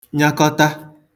nyakọta